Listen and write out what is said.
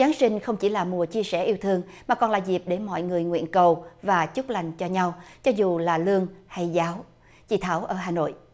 giáng sinh không chỉ là mùa chia sẻ yêu thương mà còn là dịp để mọi người nguyện cầu và chúc lành cho nhau cho dù là lương hay giáo chị thảo ở hà nội